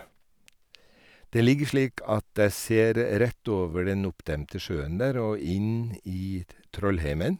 Det ligger slik at jeg ser rett over den oppdemte sjøen der og inn i t Trollheimen.